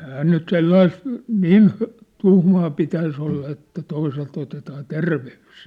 eihän nyt sellaista niin tuhmaa pitäisi olla että toiselta otetaan terveys